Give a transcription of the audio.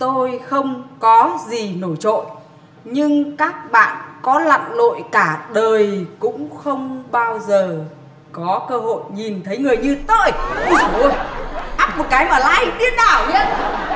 tôi không có gì nổi trội nhưng các bạn có lặn lội cả đời cũng không bao giờ có cơ hội nhìn thấy người như tôi ui dồi ôi ắp một cái mà lai điên đảo